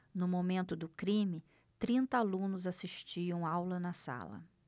no momento do crime trinta alunos assistiam aula na sala